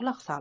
quloq sol